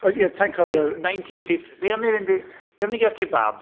Ie, sa i'n cofio... Nineteen fift... Be am ni fynd i... be am i ni gael kebab?